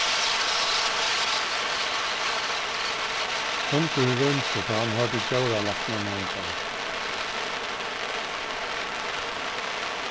hundurin rýmdi tá hann hoyrdi djóralæknan nevndan